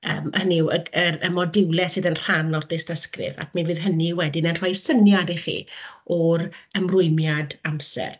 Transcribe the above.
yym hynny yw y y y modiwlau sydd yn rhan o'r dystysgrif ac mi fydd hynny wedyn yn rhoi syniad i chi o'r ymrwymiad amser.